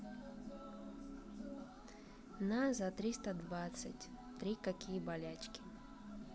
на за триста двадцать три какие болячки